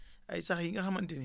ay sax yi nga xamante ni